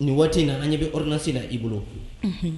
Nin waati in na ɲɛ bɛr na i bolo